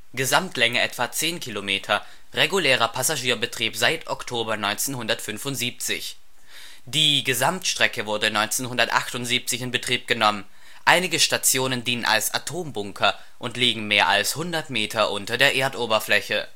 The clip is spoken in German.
Gesamtlänge etwa 10 km, regulärer Passagierbetrieb seit Oktober 1975. Die Gesamtstrecke wurde 1978 in Betrieb genommen. Einige Stationen dienen als Atombunker und liegen mehr als 100 m unter der Erdoberfläche